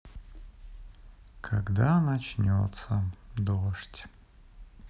когда начнется дождь